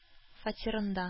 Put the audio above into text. Фатирында